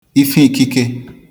ifeìkikē